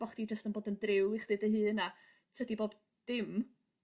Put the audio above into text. bo' chdi jyst yn bod yn driw i chdi dy hun a tydi bob dim